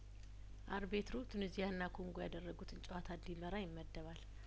አርቤትሩ ቱኒዝያና ኮንጐ ያደረጉትን ጨዋታ እንዲመራ ይመደባል